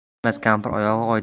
tinmas kampir oyog'i